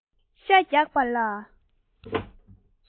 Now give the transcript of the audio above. ཤ རྒྱགས པ ལ